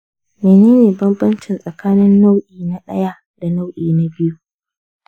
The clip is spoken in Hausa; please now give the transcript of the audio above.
mene ne bambanci tsakanin nau'i na ɗaya da nau'i na biyu?